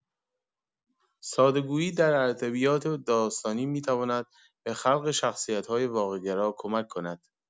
ساده‌گوئی در ادبیات داستانی می‌تواند به خلق شخصیت‌های واقع‌گرا کمک کند.